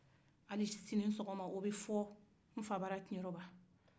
hali sini sɔgɔma o bɛ fɔ nfa bara kiɲɛrɔba